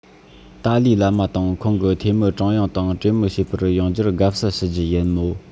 ཏཱ ལའི བླ མ དང ཁོང གི འཐུས མི ཀྲུང དབྱང དང གྲོས མོལ བྱེད པར ཡོང རྒྱུར དགའ བསུ ཞུ རྒྱུ ཡིན མོད